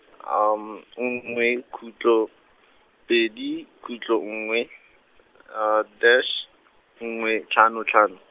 nngwe , khutlo, pedi, khutlo nngwe, dash, nngwe tlhano tlhano.